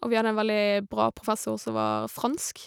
Og vi hadde en veldig bra professor som var fransk.